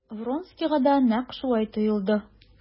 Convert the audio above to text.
Вронскийга да нәкъ шулай тоелды.